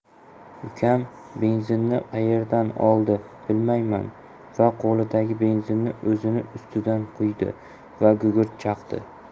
ukam benzinni qayerdan oldi bilmayman va qo'lidagi benzinni o'zini ustidan quydi da gugurt chaqdi